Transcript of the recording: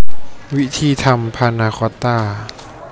วิธีทำพานาคอตต้า